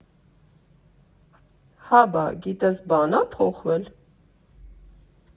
Հա բա, գիտես բան ա՞ փոխվել։